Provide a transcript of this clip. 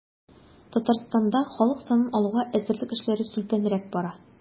Татарстанда халык санын алуга әзерлек эшләре сүлпәнрәк бара.